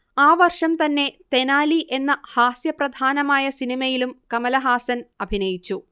ആ വർഷം തന്നെ തെനാലി എന്ന ഹാസ്യപ്രധാനമായ സിനിമയിലും കമലഹാസൻ അഭിനയിച്ചു